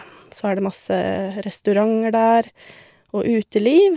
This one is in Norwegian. Så er det masse restauranter der, og uteliv.